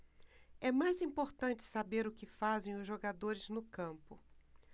é mais importante saber o que fazem os jogadores no campo